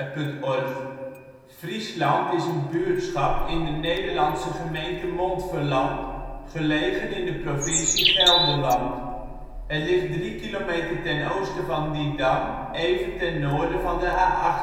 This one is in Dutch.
OL Friesland Plaats in Nederland Situering Provincie Gelderland Gemeente Montferland Coördinaten 51° 57′ NB, 6° 11′ OL Portaal Nederland Beluister Ingesproken artikel (info) Friesland is een buurtschap in de Nederlandse gemeente Montferland, gelegen in de provincie Gelderland. Het ligt 3 kilometer ten oosten van Didam even ten noorden van de A18